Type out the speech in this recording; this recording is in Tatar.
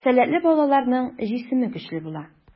Сәләтле балаларның җисеме көчле була.